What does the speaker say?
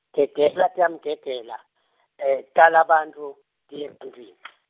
Gegela tiyamgegela, tala bantfu tiye ebantfwini.